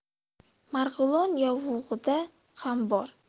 marg'ilon yovug'ida ham bor